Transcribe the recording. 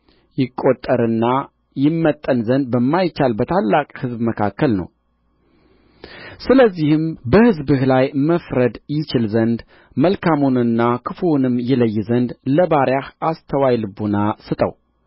ይቈጠርና ይመጠን ዘንድ በማይቻል በታላቅ ሕዝብ መካከል ነው ስለዚህም በሕዝብህ ላይ መፍረድ ይችል ዘንድ መልካሙንና ክፉውንም ይለይ ዘንድ ለባሪያህ አስተዋይ ልቡና ስጠው